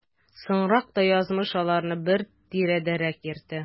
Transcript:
Соңрак та язмыш аларны бер тирәдәрәк йөртә.